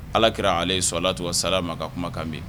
Alakira ala ye sɔ ala tɔgɔ sara ma ka kumakanmi